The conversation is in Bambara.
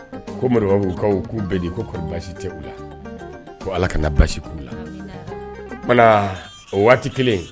Ko k' k'u bɛɛ di ko ko basi tɛ u la ko ala kana na basi k'u la wala o waati kelen